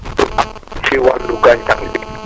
si ak si wàllu gàncax gi